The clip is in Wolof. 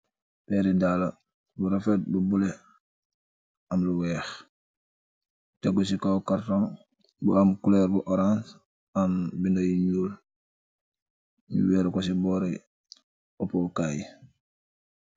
Peree dalla bu refet bu bluelo am lu weeh, teegu se kaw cartoon bu am coloor bu orance am beda yu njol nu werr ku se bore opu kay.